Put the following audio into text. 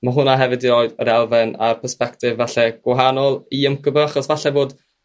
ma' hwnna hefyd 'di roi yr elfen a'r persbectif efallai gwahanol i ym cy by 'chos falle bod